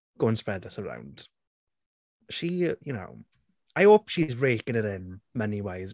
"Go and spread this around." She, you know, I hope she's raking it in, money-wise.